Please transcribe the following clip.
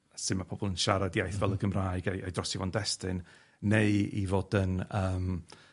su' ma' pobol yn siarad iaith fel y Gymraeg a'i a'i drosi fo yn destun, neu i fod yn yym